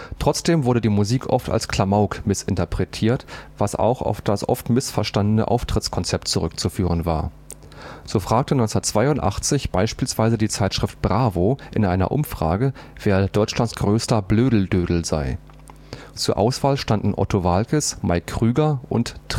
Trotzdem wurde die Musik oft als Klamauk missinterpretiert, was auch auf das oft missverstandene Auftrittskonzept zurückzuführen war. So fragte 1982 beispielsweise die Zeitschrift „ BRAVO “in einer Umfrage, wer Deutschlands größter „ Blödel-Dödel “sei. Zur Auswahl standen Otto Waalkes, Mike Krüger und Trio